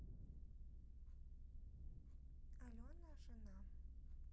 алена жена